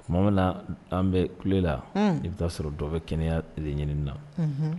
Tuma min na an bɛ kule la , un, i bi taa sɔrɔ dɔ bɛ kɛnɛya de ɲinini na.